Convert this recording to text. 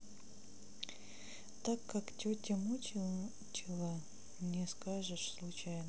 так как тетя мучила не скажешь случайно